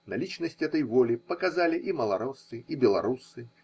Наличность этой воли показали и малороссы, и белоруссы.